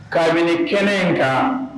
Kabini kɛnɛ in kan